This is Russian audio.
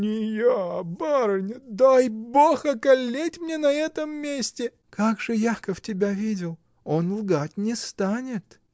— Не я, барыня, дай Бог околеть мне на этом месте. — Как же Яков тебя видел? Он лгать не станет!